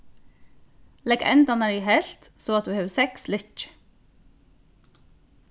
legg endarnar í helvt so at tú hevur seks lykkjur